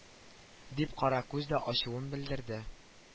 Дип каракүз дә ачуын белдерде